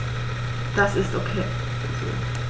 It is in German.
Das ist ok so.